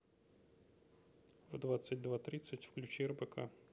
в двадцать два тридцать включи рбк